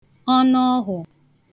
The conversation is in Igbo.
ọnụọhụ̄